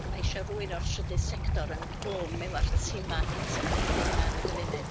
A ma' eisio rywun o'r trydydd sector ynghlwm efo'r tima integredig 'na yn y gymuned.